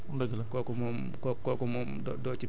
bu déwénee mu jox la rendement bu am doole